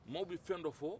maaw bɛ fɛn dɔ fɔ